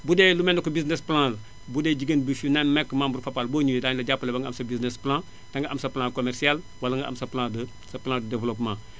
budee lu mel ni que business plan la budee jigéen bi ne nekk membre Fapal boo ñëwee daañu la jàppale ba nga am sa business plan danga am sa plan commercial wala nga am sa plan de sa plan de développement